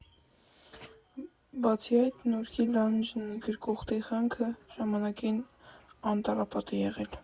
Բացի այդ, Նորքի լանջն ընդգրկող տեղանքը ժամանակին անտառապատ է եղել։